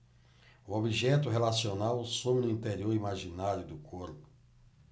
o objeto relacional some no interior imaginário do corpo